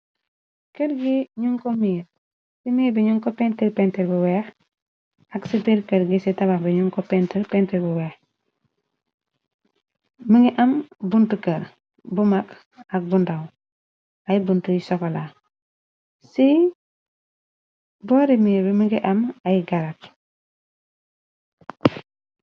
Kër gi ci miir bi ñun ko pentir pentr bu weex ak ci bir kër gi ci tabax bi ñu ko pent pentr bu weex mi ngi am buntu kër bu mag ak bundaw ay bunt yi sokola ci boori miir bi mingi am ay garak.